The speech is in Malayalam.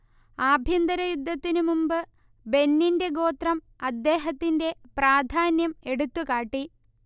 ആഭ്യന്തരയുദ്ധത്തിനുമുമ്പ് ബെന്നിന്റെ ഗോത്രം അദ്ദേഹത്തിന്റെ പ്രാധാന്യം എടുത്തുകാട്ടി